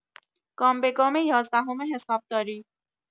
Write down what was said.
گام‌به‌گام یازدهم حسابداری